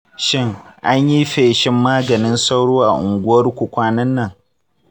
shin an yi feshin maganin sauro a unguwarku kwanan nan?